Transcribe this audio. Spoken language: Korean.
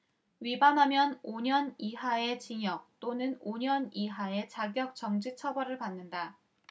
위반하면 오 년 이하의 징역 또는 오 년 이하의 자격정지 처벌을 받는다